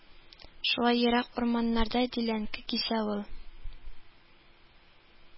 Шулай ерак урманнарда диләнке кисә ул